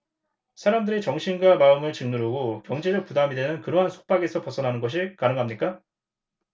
사람들이 정신과 마음을 짓누르고 경제적 부담이 되는 그러한 속박에서 벗어나는 것이 가능합니까